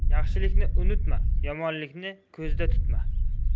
yaxshilikni unutma yomonlikni ko'zda tutma